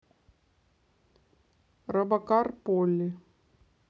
робокар полли